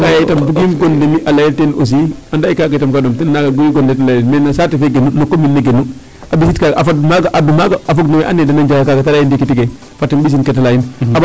A layanga itam bugiim gon le mi' a layel teen aussi ande kaaga tam kaa ɗom buga gon le layel mais saate fe genu no commune ne genu a ɓisiid ka a fad maana a adu maaga a fog no we andoona yee den njala kaaga ta laye ndiiki toge fat um ɓisiid coté laa'in.